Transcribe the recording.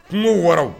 Kungo waraw